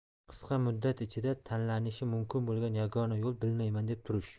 qisqa muddat ichida tanlanishi mumkin bo'lgan yagona yo'l bilmayman deb turish